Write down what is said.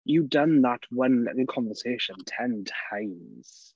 You've done that one little conversation ten times.